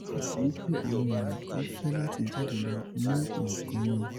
Ó dàbí wípé àwọn ènìyàn kàn fẹ́ láti jáde lọ mu nkan ni.